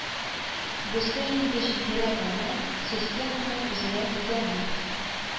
Бусы инде җитдирәк гамәл, системаның үзенә кизәнү